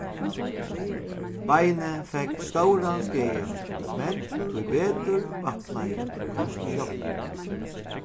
beinið fekk stóran skaða men tíbetur batnaði tað skjótt